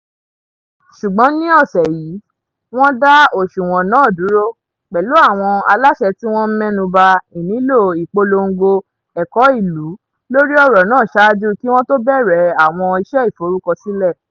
Ṣùgbọ́n ní ọ̀sẹ̀ yìí, wọ́n dá òṣùwọ̀n náà dúró, pẹ̀lú àwọn aláṣẹ tí wọ́n ń mẹ́nuba ìnílò ìpolongo 'Ẹ̀kọ́ Ìlú' lórí ọ̀rọ̀ náà ṣáájú kí wọ́n tó bẹ̀rẹ̀ àwọn iṣẹ́ ìforúkọsílẹ̀.